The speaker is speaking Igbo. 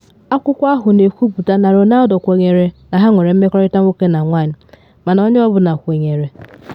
Akwụkwọ ahụ na-ekwuputa na Ronaldo kwenyere na ha nwere mmekọrịta nwoke na nwanyị mana onye ọ bụla kwenyere.